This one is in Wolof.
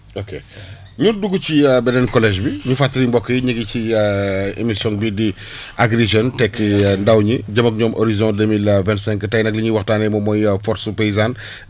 ok ñu dugg ci beneen collège bi ñu fàttali mbokk yi ñu ngi ci émission bii di Agri Jeunes tekki ndaw ñi jëm ak ñoom horizon deux mille vingt cinq tey nag li ñuy waxtaanee moom mooy force paysane